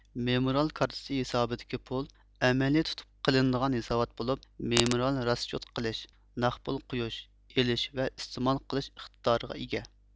مېمورال كارتىسى ھېسابىدىكى پۇل ئەمەلىي تۇتۇپ قېلىنىدىغان ھېسابات بولۇپ مېمورال راسچوت قىلىش نەق پۇل قويۇش ئېلىش ۋە ئىستېمال قىلىش ئىقتىدارىغا ئىگە